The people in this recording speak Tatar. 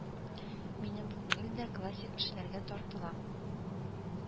Минем күңел дә классик эшләргә тартыла